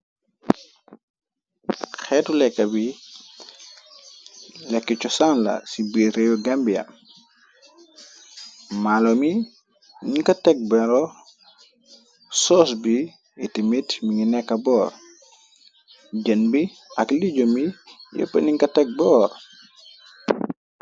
Xeetu lekka bi lekki co sanla ci bir réu gambia malo mi nu ko teg bero sos bi iti mit mi ngi nekka boor jën bi ak lijo mi yépp niko teg boor.